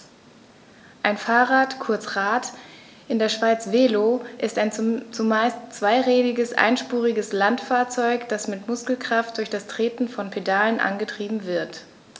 Ein Fahrrad, kurz Rad, in der Schweiz Velo, ist ein zumeist zweirädriges einspuriges Landfahrzeug, das mit Muskelkraft durch das Treten von Pedalen angetrieben wird.